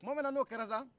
tumaminna n'o kɛra sa